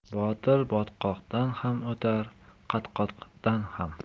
botir botqoqdan ham o'tar qatqoqdan ham